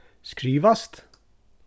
skrivast